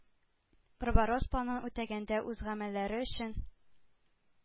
“барбаросс” планын үтәгәндә үз гамәлләре өчен